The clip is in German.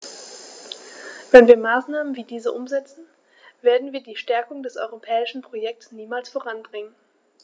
Wenn wir Maßnahmen wie diese umsetzen, werden wir die Stärkung des europäischen Projekts niemals voranbringen.